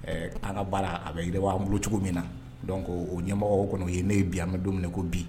Ɛɛ an ka bala a bɛ yiriwa an bolo cogo min na donc o ɲɛmɔgɔ o kɔni o ye ne ye bi an bɛ don mina i ko bi